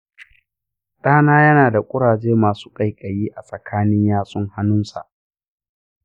ɗana yana da ƙuraje masu ƙaiƙayi a tsakanin yatsun hannunsa.